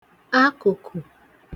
akụ̀kụ̀